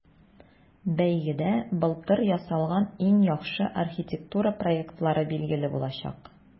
Бәйгедә былтыр ясалган иң яхшы архитектура проектлары билгеле булачак.